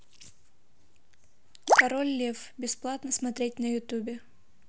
король лев бесплатно смотреть на ютубе